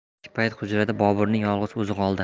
kechki payt hujrada boburning yolg'iz o'zi qoldi